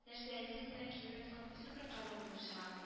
Нәрсә әкрен генә килеп яткан озын бер кәрван булып чыга